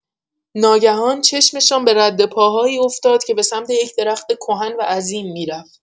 ناگهان، چشمشان به ردپاهایی افتاد که به سمت یک درخت کهن و عظیم می‌رفت.